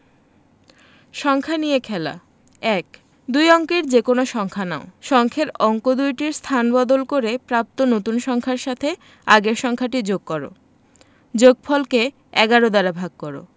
সংখ্যা নিয়ে খেলা ১ দুই অঙ্কের যেকোনো সংখ্যা নাও সংখ্যের অঙ্ক দুইটির স্থান বদল করে প্রাপ্ত নতুন সংখ্যার সাথে আগের সংখ্যাটি যোগ কর যোগফল কে ১১ দ্বারা ভাগ কর